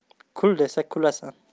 kul desa kulasan